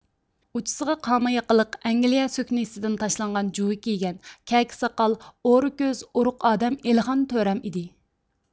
ئۇچىسىغا قاما ياقىلىق ئەنگلىيە سۆكنىسىدىن تاشلانغان جۇۋا كىيگەن كەكە ساقال ئورا كۆز ئورۇق ئادەم ئېلىخان تۆرەم ئىدى